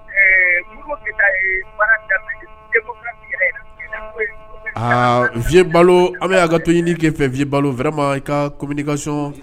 Aa viye balo an bɛ y'a ka to ɲini kɛ fɛ fii balo wɛrɛma i ka co kasɔn